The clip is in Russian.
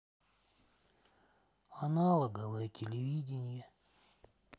аналоговое телевидение